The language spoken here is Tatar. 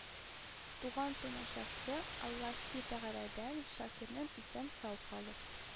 Туган-тумачасы Аллаһы Тәгаләдән Шакирның исән-сау калып,